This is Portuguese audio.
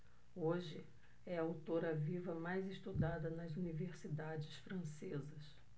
hoje é a autora viva mais estudada nas universidades francesas